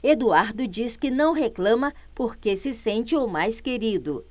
eduardo diz que não reclama porque se sente o mais querido